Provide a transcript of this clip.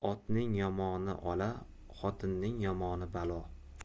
otning yomoni ola xotinning yomoni balo